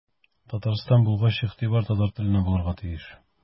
Татарстан булгач игътибар татар теленә булырга тиеш.